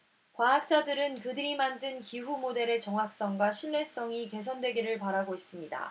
과학자들은 그들이 만든 기후 모델의 정확성과 신뢰성이 개선되기를 바라고 있습니다